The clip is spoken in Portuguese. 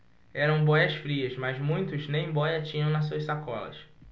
eram bóias-frias mas muitos nem bóia tinham nas suas sacolas